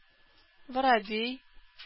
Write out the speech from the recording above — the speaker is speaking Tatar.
Воробей